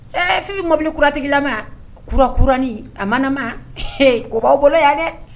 Ɛɛ fi mɔbilikura tigilama kurakuranin a mana ma ko b'aw bolo yan dɛ